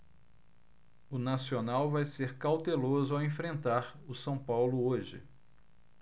o nacional vai ser cauteloso ao enfrentar o são paulo hoje